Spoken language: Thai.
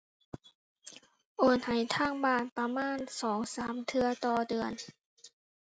โอนให้ทางบ้านประมาณสองสามเทื่อต่อเดือน